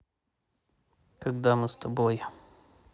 когда мы с тобой